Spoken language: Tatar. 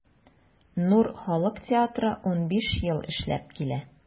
“нур” халык театры 15 ел эшләп килә.